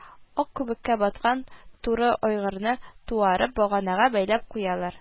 Ак күбеккә баткан туры айгырны, туарып, баганага бәйләп куялар